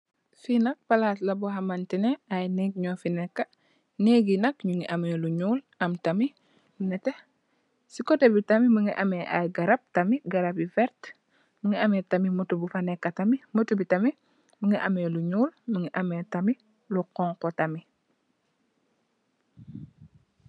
Fi nak palas la bo xamanteni ay nék ñu fi nekka, nèk yi nak ñu ngi ameh lu ñuul am tamit lu netteh ci kóteh bi tamit mugii am ay garap tamit garap yu werta. Mugii ameh tamit moto bu fa nekka tamit, moto bi tamit mugii ameh lu ñuul mugii ameh tamit lu xonxu tamit.